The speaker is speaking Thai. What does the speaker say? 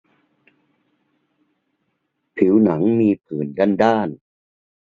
ผิวหนังมีผื่นด้านด้าน